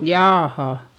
jaaha